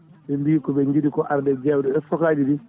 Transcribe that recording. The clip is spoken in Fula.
ɓe mbi koɓe jiiɗi ko arde ƴewde stoque aji ɗi